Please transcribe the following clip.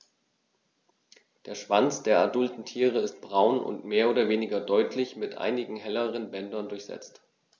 Der Schwanz der adulten Tiere ist braun und mehr oder weniger deutlich mit einigen helleren Bändern durchsetzt.